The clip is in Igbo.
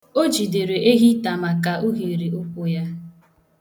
O jidere ehita maka uhiri ụkwụ ya.